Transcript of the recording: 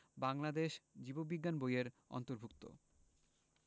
বাংলাদেশ জীব বিজ্ঞান বই এর অন্তর্ভুক্ত